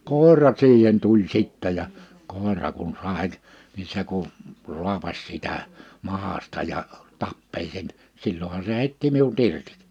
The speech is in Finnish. koira siihen tuli sitten ja koira kun sai niin se kun rupesi sitä mahasta ja tappeli sen silloinhan se heitti minut irti